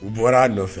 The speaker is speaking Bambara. U bɔra a nɔfɛ.